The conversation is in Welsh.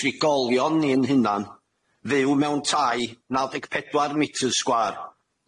trigolion ni'n hunan fyw mewn tai naw deg pedwar metres sgwâr.